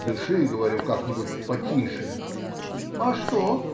— Дыши,— говорю,— как-нибудь потише. — А что?